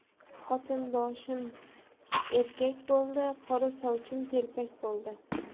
xotin boshim erkak bo'ldi qora sochim telpak bo'ldi